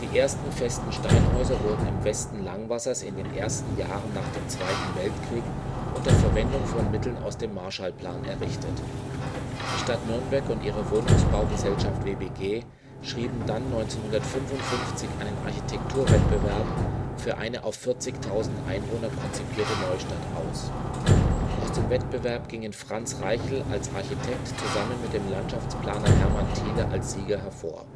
ersten festen Steinhäuser wurden im Westen Langwassers in den ersten Jahren nach dem Zweiten Weltkrieg unter Verwendung von Mitteln aus dem Marshallplan errichtet. Die Stadt Nürnberg und ihre Wohnungsbaugesellschaft WBG schrieben dann 1955 einen Architekturwettbewerb für eine auf 40.000 Einwohner konzipierte Neustadt aus. Aus dem Wettbewerb gingen Franz Reichel als Architekt zusammen mit dem Landschaftsplaner Hermann Thiele als Sieger hervor